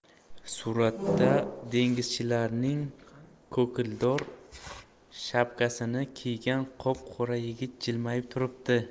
suratda dengizchilarning kokildor shapkasini kiygan qop qora yigit jilmayib turibdi